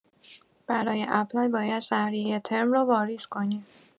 برای اپلای باید شهریه ترم رو واریز کنیم.